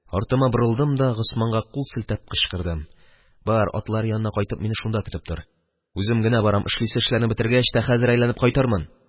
Артыма борылдым да Госманга кул селтәп кычкырдым: – Бар, атлар янына кайтып, мине шунда көтеп тор, үзем генә барам. Эшлисе эшләрне бетергәч тә, хәзер әйләнеп кайтырмын.